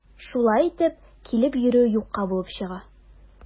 Шулай итеп, килеп йөрүе юкка булып чыга.